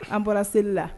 An bɔra seli la.